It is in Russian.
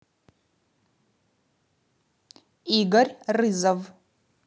игорь рызов